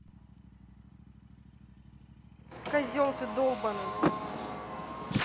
козел ты долбаный